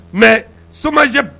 Mɛ somajɛ